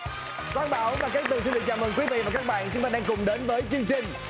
quang bảo và cát tường xin được chào mừng quý vị và các bạn chúng ta đang cùng đến với chương trình